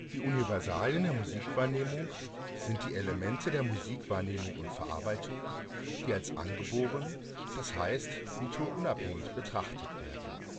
Die Universalien der Musikwahrnehmung sind die Elemente der Musikwahrnehmung und - verarbeitung, die als angeboren, das heißt kulturunabhängig betrachtet werden